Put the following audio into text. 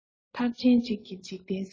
མཐར ཕྱིན གཅིག གིས འཇིག རྟེན གསལ